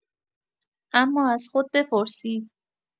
اما از خود بپرسید.